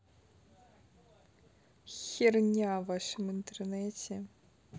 херня в вашем интернете